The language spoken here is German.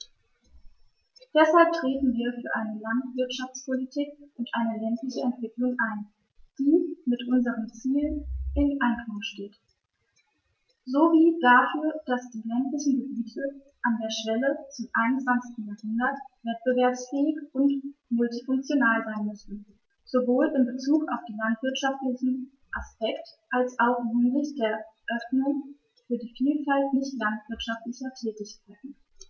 Deshalb treten wir für eine Landwirtschaftspolitik und eine ländliche Entwicklung ein, die mit unseren Zielen im Einklang steht, sowie dafür, dass die ländlichen Gebiete an der Schwelle zum 21. Jahrhundert wettbewerbsfähig und multifunktional sein müssen, sowohl in Bezug auf den landwirtschaftlichen Aspekt als auch hinsichtlich der Öffnung für die Vielfalt nicht landwirtschaftlicher Tätigkeiten.